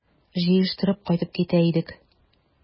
Җыештырып кайтып китә идек...